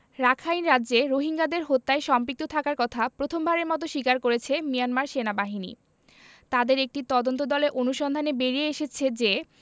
Rakhine রাজ্যে রোহিঙ্গাদের হত্যায় সম্পৃক্ত থাকার কথা প্রথমবারের মতো স্বীকার করেছে মিয়ানমার সেনাবাহিনী তাদের একটি তদন্তদলের অনুসন্ধানে বেরিয়ে এসেছে যে